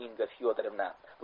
inga fyodorovna